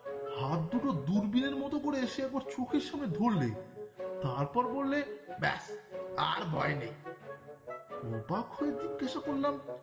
হাত দুটো দূরবীনের মতো করে সে একবার চোখের সামনে ধরলে তারপর বললে ব্যাস আর ভয় নেই অবাক হয়ে জিজ্ঞেস করলাম